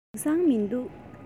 དེང སང མི འདུག